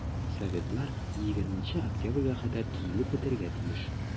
Советлар 20 октябрьгә кадәр төзелеп бетәргә тиеш.